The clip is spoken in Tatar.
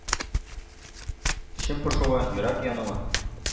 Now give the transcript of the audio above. Эчем пошуы, йөрәк януы.